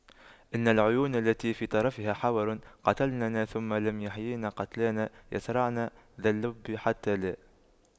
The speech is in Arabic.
إن العيون التي في طرفها حور قتلننا ثم لم يحيين قتلانا يَصرَعْنَ ذا اللب حتى لا